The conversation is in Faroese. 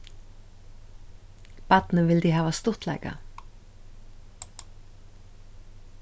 barnið vildi hava stuttleika